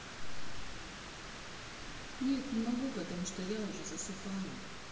нет не могу потому что я уже засыпаю